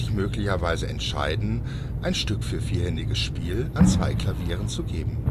möglicherweise entscheiden, ein Stück für vierhändiges Spiel an zwei Klavieren zu geben